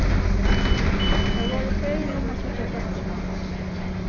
tey vóru fegin um at síggja dóttrina aftur